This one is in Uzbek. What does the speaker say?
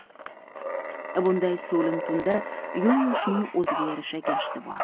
bunday so'lim tunda yo'l yurishning o'ziga yarasha gashti bor